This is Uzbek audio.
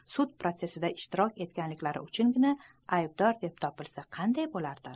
sud protsessida ishtirok etganliklari uchungina aybdor deb topilsa qanday bo'lardi